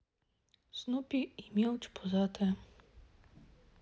снупи и мелочь пузатая